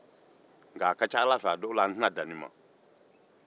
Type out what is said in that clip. nka a ka ca ala fɛ an tɛna dan nin ma a dɔw la